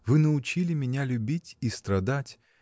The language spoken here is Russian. Вы научили меня любить и страдать.